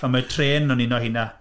Ond mae trên yn un o heina.